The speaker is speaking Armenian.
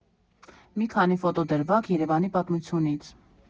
Մի քանի ֆոտո դրվագ Երևանի պատմությունից։